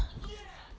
удача логана